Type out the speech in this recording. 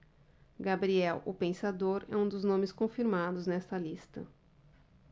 gabriel o pensador é um dos nomes confirmados nesta lista